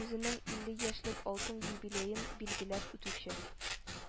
Үзенең илле яшьлек алтын юбилеен билгеләп үтүче